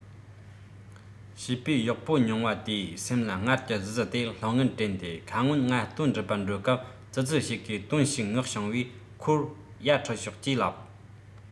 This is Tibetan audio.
བྱས པས གཡོག པོ རྙིང པ དེའི སེམས ལ སྔར གྱི ཙི ཙི དེ ལྷང ངེར དྲན ཏེ ཁ སྔོན ང དོན སྒྲུབ པར འགྲོ སྐབས ཙི ཙི ཞིག གིས དོན ཞིག མངགས བྱུང བས ཁོ ཡར ཁྲིད ཤོག ཅེས ལབ